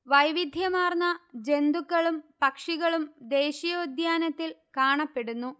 വൈവിധ്യമാർന്ന ജന്തുക്കളും പക്ഷികളും ദേശീയോദ്യാനത്തിൽ കാണപ്പെടുന്നു